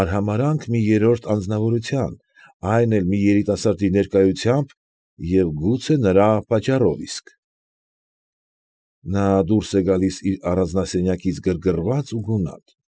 Արհամարհանք մի երրորդ անձնավորության, այն էլ մի երիտասարդի ներկայությամբ և գուցե նրա պատճառով իսկ նա դուրս է գալիս իր առանձնասենյակից գրգռված ու գունատ։